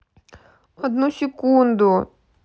одну секунду